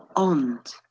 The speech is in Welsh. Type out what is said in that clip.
Ond.